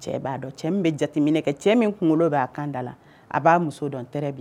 A cɛ bɛ jateminɛ kɛ cɛ min kunkolo b'a kanda la a b'a muso dɔn